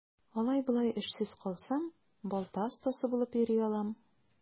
Алай-болай эшсез калсам, балта остасы булып йөри алам.